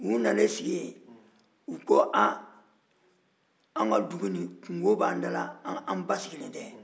u nanen sigi yen u ko a anw ka dugu nin kunko b'an da la an basigilen tɛ